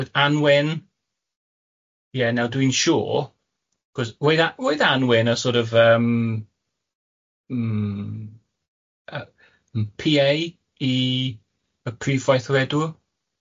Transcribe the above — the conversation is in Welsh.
Oedd Anwen, ie naw' dwi'n siŵr, c'os roedd A-... Roedd Anwen yn sor' of yym, mm, y- m- Pee Ay i y prif weithredwr?